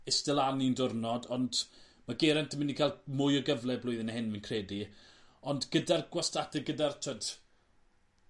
iste lan un diwrnod ond ma' Gerent yn myn' i ca'l mwy o gyfle blwydd hyn fi'n credu. Ond gyda'r gwastatîr gyda'r t'od